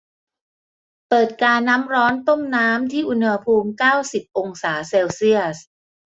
เปิดกาน้ำร้อนต้มน้ำที่อุณหภูมิเก้าสิบองศาเซลเซียส